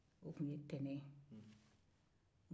o tun ye ntɛnɛn ye